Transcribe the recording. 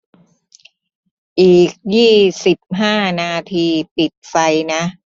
อีกยี่สิบห้านาทีปิดไฟนะ